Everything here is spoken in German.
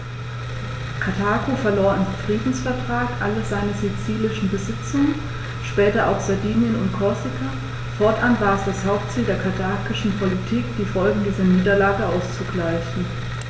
Karthago verlor im Friedensvertrag alle seine sizilischen Besitzungen (später auch Sardinien und Korsika); fortan war es das Hauptziel der karthagischen Politik, die Folgen dieser Niederlage auszugleichen.